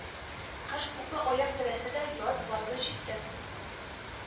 Кыш күпме аяк терәсә дә, яз, барыбер, җитте